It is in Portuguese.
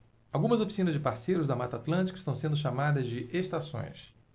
algumas oficinas de parceiros da mata atlântica estão sendo chamadas de estações